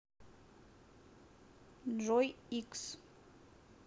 joy х